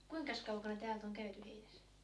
kuinkas kaukana täältä on käyty heinässä